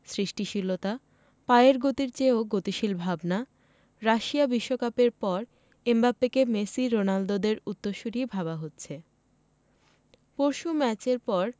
সৃষ্টিশীলতা পায়ের গতির চেয়েও গতিশীল ভাবনা রাশিয়া বিশ্বকাপের পর এমবাপ্পেকে মেসি রোনালদোদের উত্তরসূরিই ভাবা হচ্ছে পরশু ম্যাচের পর